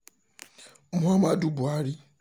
Muhammadu Buhari